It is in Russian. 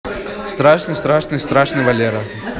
страшный страшный страшный валера